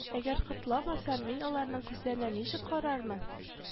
Әгәр котламасам мин аларның күзләренә ничек карармын